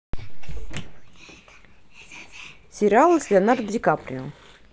сериалы с леонардо ди каприо